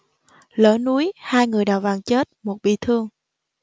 lở núi hai người đào vàng chết một bị thương